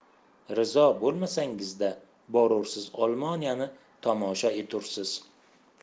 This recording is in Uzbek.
rizo bo'lmasangizda borursiz olmoniyani tomosha etursiz